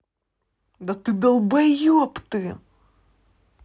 да долбоеб ты